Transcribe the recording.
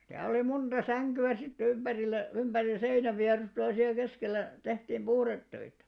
sitä oli monta sänkyä sitten ympärillä ympäri seinänvierustoja ja siellä keskellä tehtiin puhdetöitä